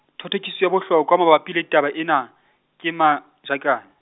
thothokiso ya bohlokwa mabapi le taba ena, ke Majakane.